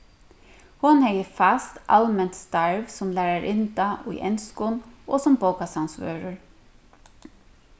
hon hevði fast alment starv sum lærarinna í enskum og sum bókasavnsvørður